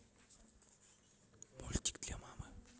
мультики для мамы